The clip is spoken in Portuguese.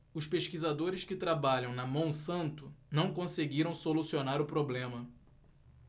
os pesquisadores que trabalham na monsanto não conseguiram solucionar o problema